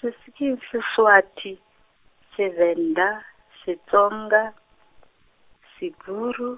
Seswi- Seswati, Sevenda, Setsonga, Seburu,